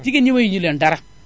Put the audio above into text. jigéen ñi mayuñu leen dara